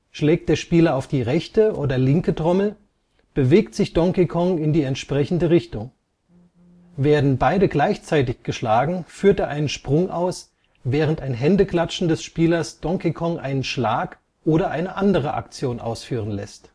Schlägt der Spieler auf die rechte oder linke Trommel, bewegt sich Donkey Kong in die entsprechende Richtung. Werden beide gleichzeitig geschlagen, führt er einen Sprung aus, während ein Händeklatschen des Spielers Donkey Kong einen Schlag oder eine andere Aktion ausführen lässt